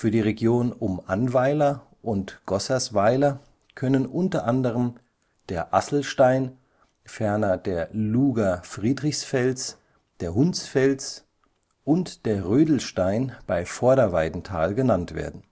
die Region um Annweiler und Gossersweiler können u. a. der Asselstein, ferner der Luger Friedrichsfels, der Hundsfels und der Rödelstein bei Vorderweidenthal genannt werden